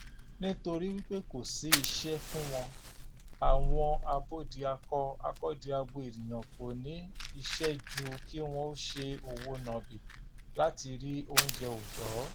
Nítorí wípé kò sí iṣẹ́ fún wọn, àwọn abódiakọ-akọ́diabo ènìyàn kò ní ṣíṣe ju kí wọn ó ṣe òwò nọ̀bì láti rí oúnjẹ òòjọ́.